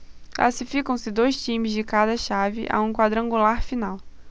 classificam-se dois times de cada chave a um quadrangular final